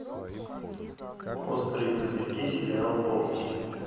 острые козырьки сериал полностью